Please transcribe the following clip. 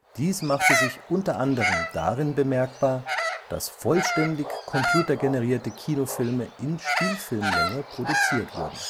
Dies machte sich unter anderem darin bemerkbar, dass vollständig computergenerierte Kinofilme in Spielfilmlänge produziert wurden